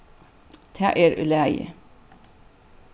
tað er í lagi